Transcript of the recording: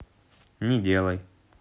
не делай